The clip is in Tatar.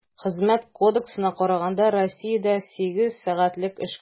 Хезмәт кодексына караганда, Россиядә сигез сәгатьлек эш көне.